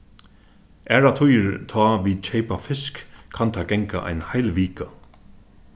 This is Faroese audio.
aðrar tíðir tá vit keypa fisk kann tað ganga ein heil vika